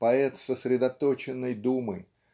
поэт сосредоточенной думы